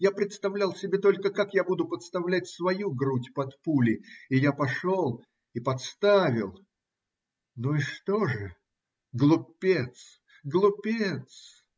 Я представлял себе только, как я буду подставлять свою грудь под пули, И я пошел и подставил. Ну и что же? Глупец, глупец!